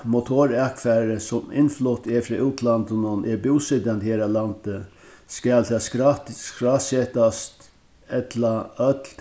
motorakfari sum innflutt er frá útlandinum er búsitandi her á landi skal tað skrásetast ella øll